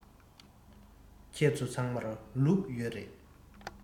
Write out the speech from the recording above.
ཁྱེད ཚོ ཚང མར ལུག ཡོད རེད